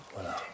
voilà